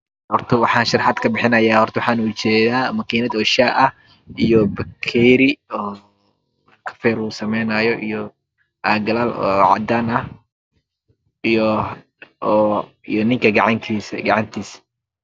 Horta waxaan sharaaxd kapixinayaa waxaan ujedaa makiinad oo shah ah iyo pakeeri oo kafee lagu samenayo iyo caag gadaal oo cadaan ah iyo ninka gacntiisa